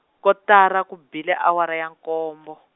kotara ku bile awara ya nkombo.